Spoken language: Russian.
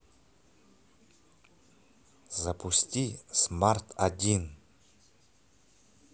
запусти смарт один